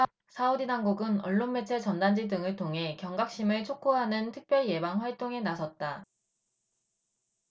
사우디 당국은 언론매체 전단지 등을 통해 경각심을 촉구하는 특별 예방 활동에 나섰다